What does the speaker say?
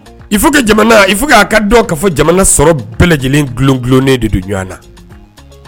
I fo ka jamana k aa ka dɔw k ka fɔ jamana sɔrɔ bɛɛ lajɛlen dulonlonnen de don ɲɔgɔn na